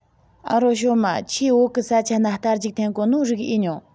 ཨ རོ ཞའོ མ ཁྱོས བོད གི ས ཆ ན རྟ རྒྱུག འཐེན གོ ནོ རིག ཨེ མྱོང